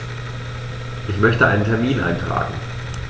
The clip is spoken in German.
Ich möchte einen Termin eintragen.